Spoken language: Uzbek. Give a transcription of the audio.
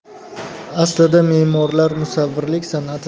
aslida memorlar musavvirlik